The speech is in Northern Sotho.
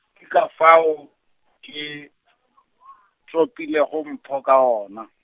ke ka fao, ke , topilego Mpho ka gona.